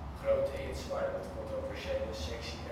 Grote hits waren het controversiële Sexy